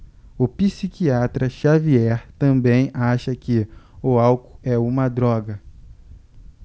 o psiquiatra dartiu xavier também acha que o álcool é uma droga